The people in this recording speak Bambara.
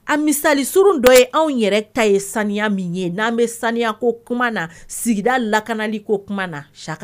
An misalisurun dɔ ye anw yɛrɛ ta ye saniya min ye n'an bɛ sanyako k kuma na sigida lakanaliko kuma na saka